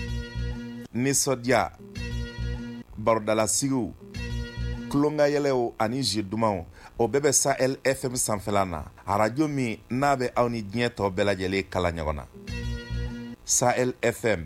Ni nisɔndiya barodalasigi tulonkanyw ani z dumanumaw o bɛɛ bɛ san e fɛn sanfɛ na arajo min n a bɛ aw ni diɲɛ tɔw bɛɛ lajɛlen kala ɲɔgɔn na san e fɛ